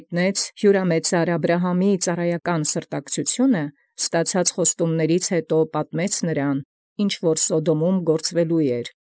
Որպէս զհիւրամեծարին Աբրահամու հրեշտակաւքն հասելովք զծառայական հաւասարութիւնն յայտ արարեալ. պատմելով նմա յետ աւետեացն ընկալելոց, զինչ ի Սոդոմն էր գործելոց։